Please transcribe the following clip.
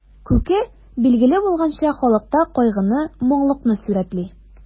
Күке, билгеле булганча, халыкта кайгыны, моңлылыкны сурәтли.